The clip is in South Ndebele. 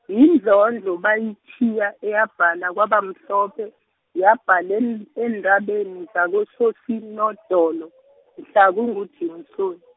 yindlondlo bayitjhiye eyabhala kwabamhlophe, yabhala e- eentabeni zakoSoSinodolo, mhla kunguJimsoni.